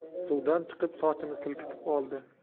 suvdan chiqib sochini silkitib oldi